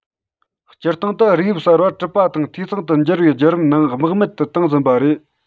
སྤྱིར བཏང དུ རིགས དབྱིབས གསར པ གྲུབ པ དང འཐུས ཚང དུ འགྱུར བའི བརྒྱུད རིམ ནང རྨེག མེད དུ བཏང ཟིན པ རེད